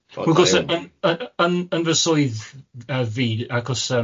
wrth gwrs yn yn yn yn fy swydd yy fi achos yym dw-